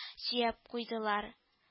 Сөяп куйдылар